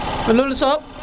lul soɓ